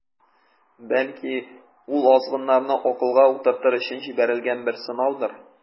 Бәлки, ул азгыннарны акылга утыртыр өчен җибәрелгән бер сынаудыр.